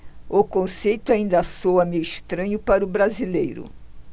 o conceito ainda soa meio estranho para o brasileiro